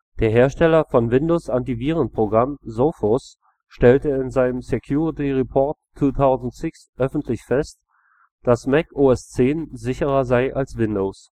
Der Hersteller von Windows-Antivirenprogrammen Sophos stellt in seinem Security Report 2006 öffentlich fest, dass Mac OS X sicherer sei als Windows